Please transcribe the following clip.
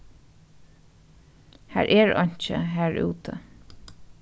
har er einki har úti